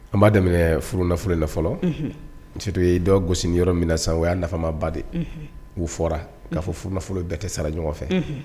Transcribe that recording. An b'a daminɛ f nafolo fɔlɔ ntu ye dɔ gosi yɔrɔ min sa u y'a nafama ba de u fɔra k'a fɔ f nafolo bɛɛ tɛ sara ɲɔgɔn fɛ